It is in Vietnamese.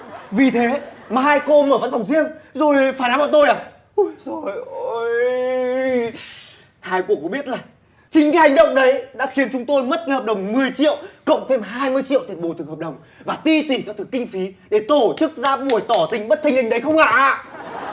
vì thế mà hai cô mở văn phòng riêng rồi phá đám bọn tôi à ôi giời ôi hai cô có biết là chính cái hành động đấy đã khiến chúng tôi mất ngay hợp đồng mười triệu cộng thêm hai mươi triệu tiền bồi thường hợp đồng và ti tỉ các thứ kinh phí để tổ chức ra buổi tỏ tình bất thình lình đấy không hả